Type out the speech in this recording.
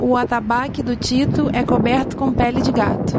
o atabaque do tito é coberto com pele de gato